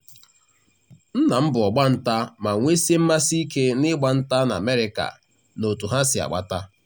Nna m bụ ọgba nta ma nwesie mmasị ike n'igba nta na Amerịka na otú ha si agbata.